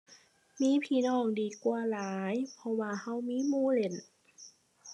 มีพี่น้องดีกว่าหลาย เพราะว่าเรามีหมู่เล่น